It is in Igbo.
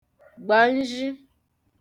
gbànzhị